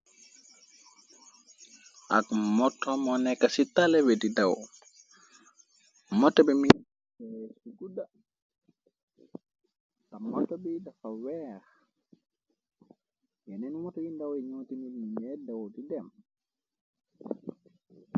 Ab motomo nekk ci talewe di daw moto bi mife si gudda. Tax moto bi dafa weex yeneen moto yi ndawuy ñootu mbil mi ñer dawo di dem.